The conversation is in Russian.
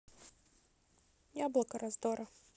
яблоко раздора